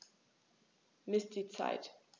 Miss die Zeit.